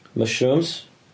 Mushrooms.